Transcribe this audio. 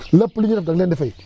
lépp lu ñuy def danga leen di fay